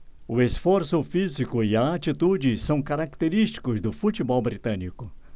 o esforço físico e a atitude são característicos do futebol britânico